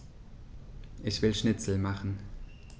Ich will Schnitzel machen.